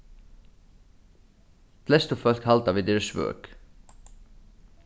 flestu fólk halda at vit eru svøk